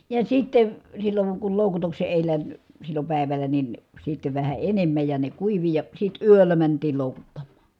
ja sitten silloin kun loukutuksen edellä silloin päivällä niin sitten vähän enemmän ja ne kuivui ja sitten yöllä mentiin loukuttamaan